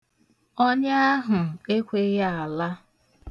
Ọnya ahụ ekweghị ala.